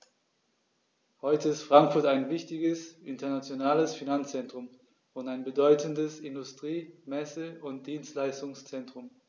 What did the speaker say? Heute ist Frankfurt ein wichtiges, internationales Finanzzentrum und ein bedeutendes Industrie-, Messe- und Dienstleistungszentrum.